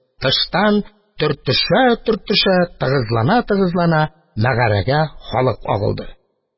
Тыштан, төртешә-төртешә, тыгызлана-тыгызлана, мәгарәгә халык агылды.